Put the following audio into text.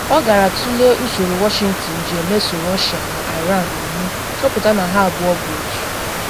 Ọ gara tulee usoro Washington ji emeso Russia na Iran omume, chọpụta na ha abụọ bụ otu.